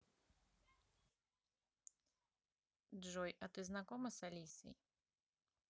джой а ты знакома с алисой